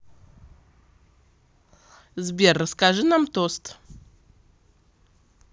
сбер расскажи нам тост